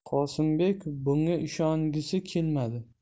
qosimbek bunga ishongisi kelmadi